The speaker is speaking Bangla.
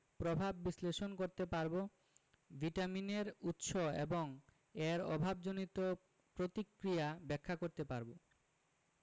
প্রভাব বিশ্লেষণ করতে পারব ভিটামিনের উৎস এবং এর অভাবজনিত প্রতিক্রিয়া ব্যাখ্যা করতে পারব